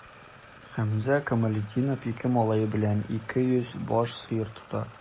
Хәмзә Камалетдинов ике малае белән 200 баш сыер тота.